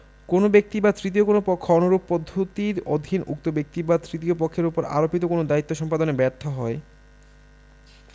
কোন ব্যীক্ত বা তৃতীয় কোন পক্ষ অনুরূপ পদ্ধতির অধীন উক্ত ব্যক্তি বা তৃতীয় পক্ষের উপর আরোপিত কোন দায়িত্ব সম্পাদনে ব্যর্থ হয়